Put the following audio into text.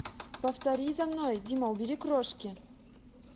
повтори за мной дима убери крошки